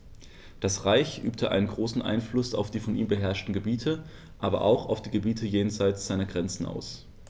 Das Reich übte einen großen Einfluss auf die von ihm beherrschten Gebiete, aber auch auf die Gebiete jenseits seiner Grenzen aus.